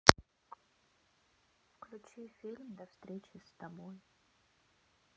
включи фильм до встречи с тобой